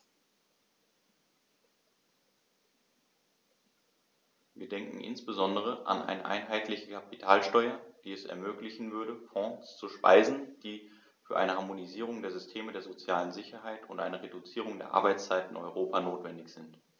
Wir denken insbesondere an eine einheitliche Kapitalsteuer, die es ermöglichen würde, Fonds zu speisen, die für eine Harmonisierung der Systeme der sozialen Sicherheit und eine Reduzierung der Arbeitszeit in Europa notwendig sind.